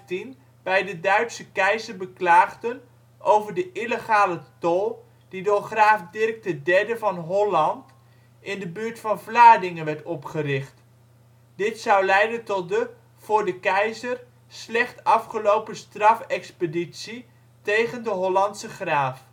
1015 bij de Duitse keizer beklaagden over de illegale tol die door graaf Dirk III van Holland in de buurt van Vlaardingen werd opgericht. Dit zou leiden tot de (voor de keizer) slecht afgelopen strafexpeditie tegen de Hollandse graaf